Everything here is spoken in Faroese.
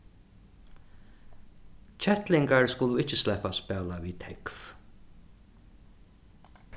kettlingar skulu ikki sleppa at spæla við tógv